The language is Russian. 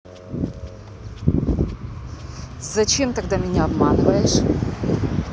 зачем тогда меня обманываешь